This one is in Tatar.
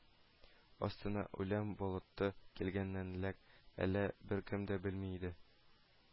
Өстенә үлем болыты килгәнлеген әле беркем дә белми иде